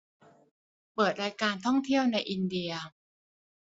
เปิดรายการท่องเที่ยวในอินเดีย